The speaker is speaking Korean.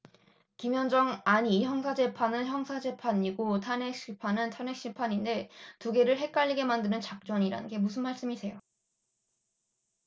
김현정 아니 형사재판은 형사재판이고 탄핵심판은 탄핵심판인데 두 개를 헷갈리게 만드는 작전이라는 게 무슨 말씀이세요